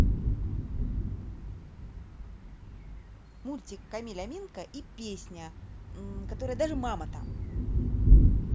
мультик камиль аминка и песня которая даже мама там